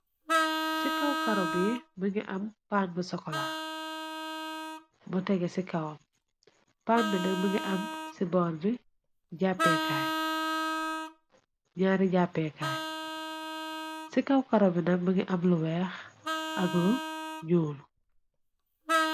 Ci kawkarobi bë ngi am paan bi sokola bu tegé ci kawam pannbi nek bi ngi am ci bor bi 2aari jàppekaay ci kaw karobi na bi ngi am lu weex ak lu nyul.